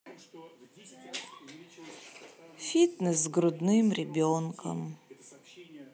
фитнес с грудным ребенком